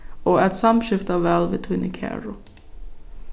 og at samskifta væl við tíni kæru